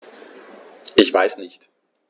Ich weiß nicht.